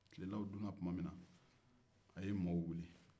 tilelaw dunna tuma min na a ye maaw wuli